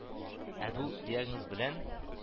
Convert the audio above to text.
Ә бу диагноз белән